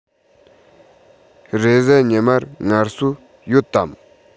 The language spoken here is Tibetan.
རེས གཟའ ཉི མར ངལ གསོ ཡོད དམ